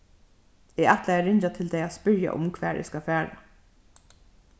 eg ætlaði at ringja til tey at spyrja um hvar eg skal fara